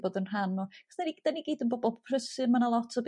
bod yn rhan o... 'Chos 'dyn ni 'dyn ni gyd yn bobol prysur ma' 'na lot o